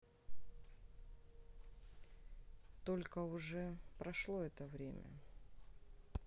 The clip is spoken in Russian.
только уже прошло это время